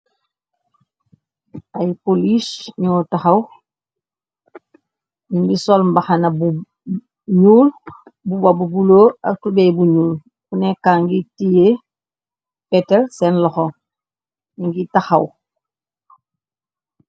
Ay police nyo tahaw, nungi sol mbahana bu ñuul, mbuba bu bulo ak tubeye bu ñuul. Ku nekka ngi tè fetel senn loho nungi tahaw.